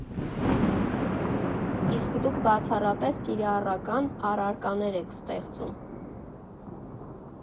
Իսկ դուք բացառապես կիրառական առարկաներ եք ստեղծում։